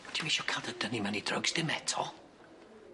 Ti'm isio ca'l dy dyni mewn i drygs dim eto.